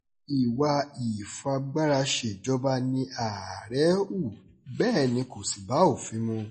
Ìwà ìfagbáraṣèjọba ni ààrẹ hù, bẹ́ẹ̀ ni kò sì bá òfin mú.